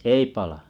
ei pala